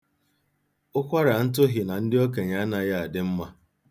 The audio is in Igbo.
Ụkwarāǹtụ̀hị na ndị okenye anaghị adị mma.